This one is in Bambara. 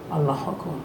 Aw b'a fɔ ko